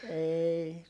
ei